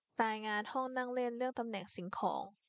รายงานห้องนั่งเล่นเรื่องตำแหน่งสิ่งของ